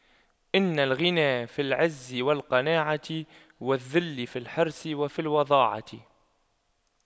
إن الغنى والعز في القناعة والذل في الحرص وفي الوضاعة